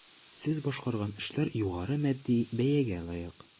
Сез башкарган эшләр югары матди бәягә лаек.